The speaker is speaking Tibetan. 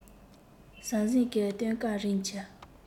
ཟང ཟིང གི སྟོན ཀ རིམ གྱིས